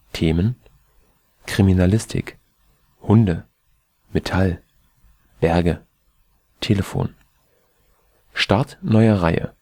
Themen: Kriminalistik, Hunde, Metall, Berge, Telefon) Start neuer Reihe